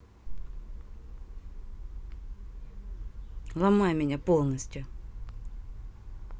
ломай меня полностью